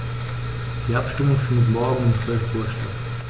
Die Abstimmung findet morgen um 12.00 Uhr statt.